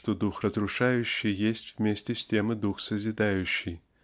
что дух разрушающий есть вместе с тем и дух созидающий